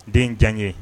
Den diyaɲɛ